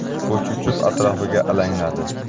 u cho'chib atrofiga alangladi